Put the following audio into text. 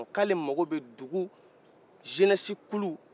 ko ale mako bɛ duguzenɛsi kulu